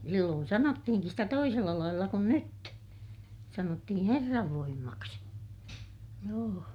silloin sanottiinkin sitä toisella lailla kuin nyt sanottiin Herran voimaksi joo